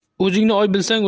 o'zingni oy bilsang